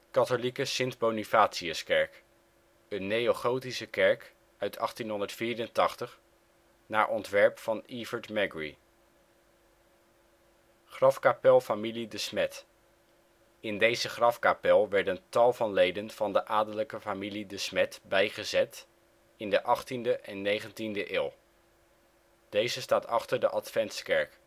Katholieke Sint-Bonifatiuskerk: neogotische kerk uit 1884 naar ontwerp van Evert Margry. Grafkapel van de familie De Smeth te Alphen aan den Rijn, gebouwd in 1773. Grafkapel familie De Smeth: in deze grafkapel werden tal van leden van de adellijke familie De Smeth bijgezet in de achttiende en negentiende eeuw. Deze staat achter de Adventskerk